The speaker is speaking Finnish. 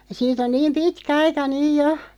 siitä on niin pitkä aika nyt jo